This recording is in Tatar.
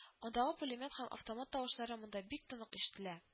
Андагы пулемет һәм автомат тавышлары монда бик тонык ишетелә